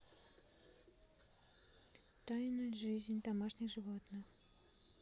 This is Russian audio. тайна жизнь домашних животных